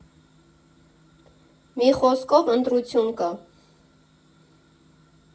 Մի խոսքով, ընտրություն կա։